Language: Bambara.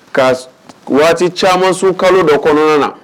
Ka s waati caman su kalo dɔ kɔnɔna na.